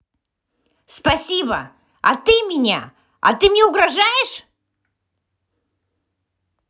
спасибо а ты меня а ты мне угрожаешь